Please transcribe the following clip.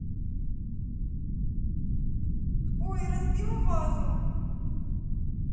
ой разбила вазу